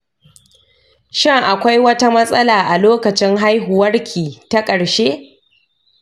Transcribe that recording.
shin akwai wata matsala a lokacin haihuwarki ta ƙarshe?